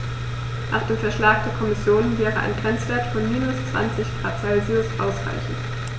Nach dem Vorschlag der Kommission wäre ein Grenzwert von -20 ºC ausreichend.